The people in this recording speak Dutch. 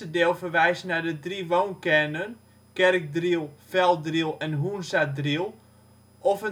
deel verwijst naar de drie woonkernen (Kerkdriel, Velddriel en Hoenzadriel) of